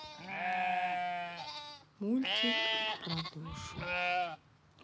мультик про душу